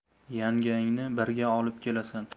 yangangni birga olib kelasan